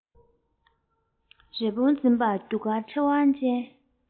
རི བོང འཛིན པ རྒྱུ སྐར ཕྲེང བ ཅན